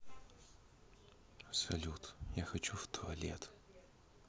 салют я хочу в туалет